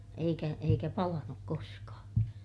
eikä eikä palanut koskaan